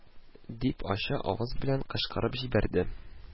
– дип, ачы аваз белән кычкырып җибәрде